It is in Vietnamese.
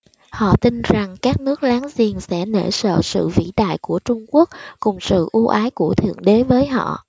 họ tin rằng các nước láng giềng sẽ nể sợ sự vĩ đại của trung quốc cùng sự ưu ái của thượng đế với họ